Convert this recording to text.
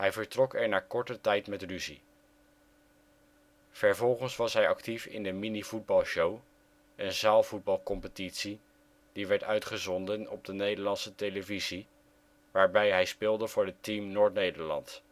vertrok er na korte tijd met ruzie. Vervolgens was hij actief in de Mini-voetbalshow, een zaalvoetbalcompetitie die werd uitgezonden op de Nederlandse televisie, waarbij hij speelde voor het team Noord-Nederland